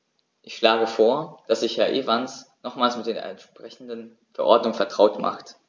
Ich schlage vor, dass sich Herr Evans nochmals mit der entsprechenden Verordnung vertraut macht.